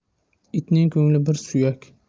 itning ko'ngli bir suyak